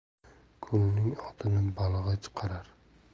ko'lning otini balig'i chiqarar